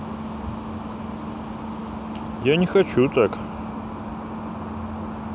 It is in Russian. я не хочу так